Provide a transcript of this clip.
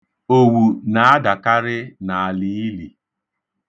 Owu na-adakarị n'aliili.